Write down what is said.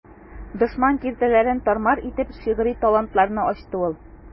Дошман киртәләрен тар-мар итеп, шигъри талантларны ачты ул.